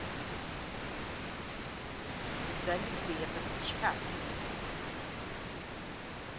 удали ты этот час